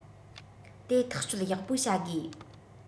དེ ཐག གཅོད ཡག པོ བྱ དགོས